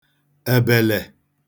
èbèlè